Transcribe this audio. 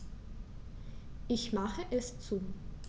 Ich mache es zu.